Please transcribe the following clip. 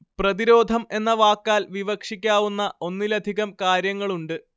പ്രതിരോധം എന്ന വാക്കാല്‍ വിവക്ഷിക്കാവുന്ന ഒന്നിലധികം കാര്യങ്ങളുണ്ട്